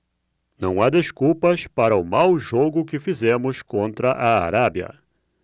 não há desculpas para o mau jogo que fizemos contra a arábia